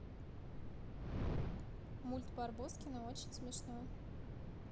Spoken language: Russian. мульт барбоскины очень смешной